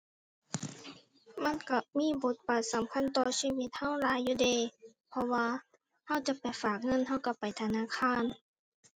มันก็มีบทบาทสำคัญต่อชีวิตก็หลายอยู่เดะ เพราะว่าก็จะไปฝากเงินก็ก็ไปธนาคาร